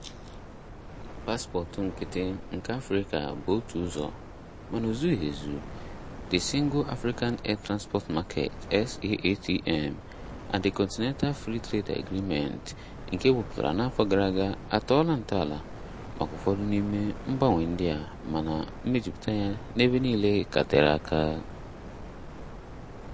Paspọtụ nkịtị nke Afrịka bụ otu ụzọ— mana ozughị ezu. The Single African Air Transport market (SAATM), and the Continental Free Trade Agreement, nke ewepụtara n'afọ gara aga, a tọọla ntọala maka ụfọdụ n'ime mgbanwe ndị a, mana mmejupụta ya n'ebe niile ka tere aka.